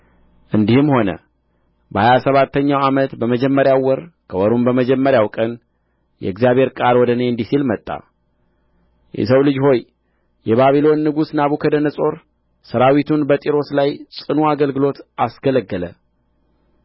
እንዲህም ሆነ በሀያ ሰባተኛው ዓመት በመጀመሪያው ወር ከወሩም በመጀመሪያው ቀን የእግዚአብሔር ቃል ወደ እኔ እንዲህ ሲል መጣ የሰው ልጅ ሆይ የባቢሎን ንጉሥ ናቡከደነፆር ሠራዊቱን በጢሮስ ላይ ጽኑ አገልግሎት አስገለገለ